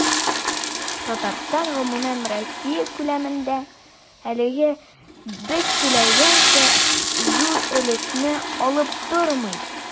Татарстан гомумроссия күләмендә, әлегә без теләгәнчә, зур өлешне алып тормый.